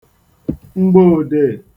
mgboòdeè